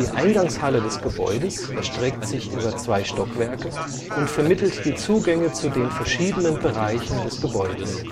Eingangshalle des Gebäudes erstreckt sich über zwei Stockwerke und vermittelt die Zugänge zu den verschiedenen Bereichen des Gebäudes